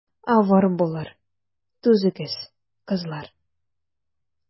Авыр булыр, түзегез, кызлар.